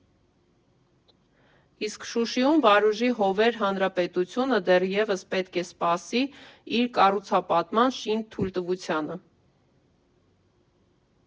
Իսկ Շուշիում Վարուժի «Հովեր» հանրապետությունը դեռևս պետք է սպասի իր կառուցապատման շինթույլտվությանը։